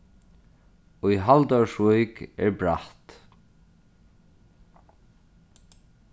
í haldórsvík er bratt